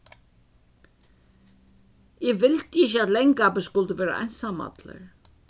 eg vildi ikki at langabbi skuldi vera einsamallur